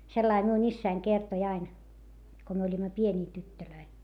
sellainen minun isäni kertoi aina kun me olimme pieniä tyttöjä